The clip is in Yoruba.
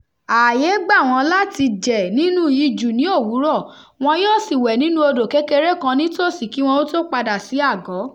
Ààyé gbà wọ́n láti jẹ̀ nínú ijù ní òwúrò, wọn yóò sì wẹ̀ nínú odò kékeré kan nítòsí kí wọn ó tó padà sí àgọ́.